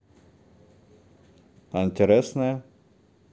антересная